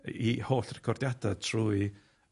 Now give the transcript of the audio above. yy 'i holl recordiada trwy